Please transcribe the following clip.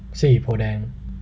สี่โพธิ์แดง